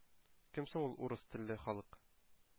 Кем соң ул «урыс телле халык»?